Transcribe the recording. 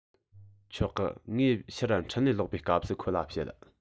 ཆོག གི ངས ཕྱིར འཕྲིན ལན ལོག པའི སྐབས སུ ཁོ ལ བཤད